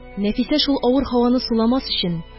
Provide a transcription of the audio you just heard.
Нәфисә, шул авыр һаваны суламас өчен